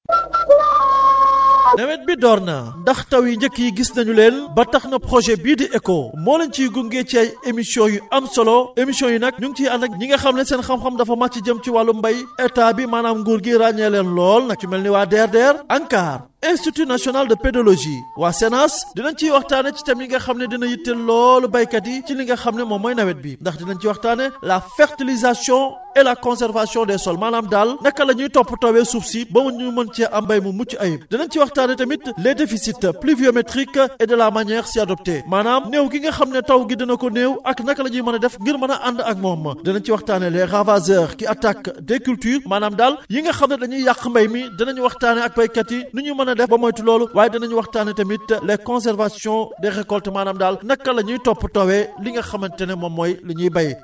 nawet bi door na ndax taw yu njëkk yi gis nañu leen ba tax na projet bii di ECHO moo leen ciy gunge ci ay émission yu am solo émission yi nag ñu ngi ciy ànd ak ñi nga xam ne seen xam-xam dafa màcc jëm ci wàllum mbéy Etat bi maanaam nguur gi ràññee leen lool nag lu ci mel ni waa DRDR ANCAR institut naional de pédologie waa CNAAS di nañ ciy waxtaanee ci thème yi nga xam ne dina yitteel loolu baykat yi ci li nga xam ne moom mooy nawet bi ndax dinañ ci waxtaane la fertilisation et la consevation des sols maanaam daal naka la ñuy toppatoo suuf si ba mu ñu mën cee am mbay mu mucc ayib dinañ si waxtaanee tamit les déficits pluviométriques et de la manière s' y adopté maanaam néew gi nga xam ne taw gi dina ko néew ak naka la ñuy mën a def ngir mën a ànd ak moom dinañ ci waxtaanee les ravageurs qui attaquent des cultures maanam daal yi nga xam ne dañuy yàq mbay mi dinañu waxtaanee ak béykat yi nu ñuy mën a def ba moytu loolu waaye danañ waxtaan tamit les conservations des récoltes maanaam daal naka la nuy toppatoowee li nga xamante ne moom mooy li ñuy bay